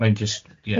Mae'n jyst ie.